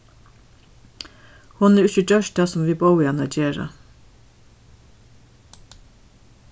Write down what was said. hon hevur ikki gjørt tað sum vit bóðu hana gera